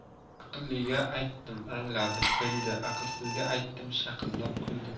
aqlliga aytdim angladi bildi aqlsizga aytdim shaqillab kuldi